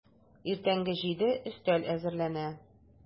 Иртәнге җиде, өстәл әзерләнә.